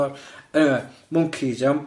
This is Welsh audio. Eniwe, mwncis iawn?